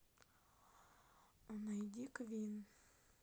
найди квин